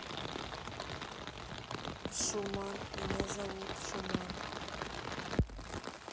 шуман меня зовут шуман